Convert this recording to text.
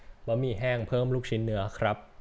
บะหมี่แห้งเพิ่มลูกชิ้นเนื้อครับ